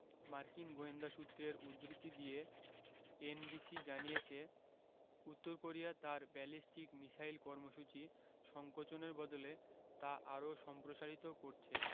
মার্কিন গোয়েন্দা সূত্রের উদ্ধৃতি দিয়ে এনবিসি জানিয়েছে উত্তর কোরিয়া তার ব্যালিস্টিক মিসাইল কর্মসূচি সংকোচনের বদলে তা আরও সম্প্রসারিত করছে